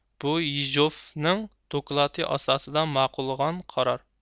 بۇ يېژوفنىڭ دوكلاتى ئاساسىدا ماقۇللىغان قارار